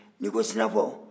n'i ko sinafɔ